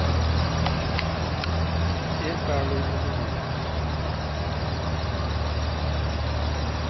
eg fari líka undir brús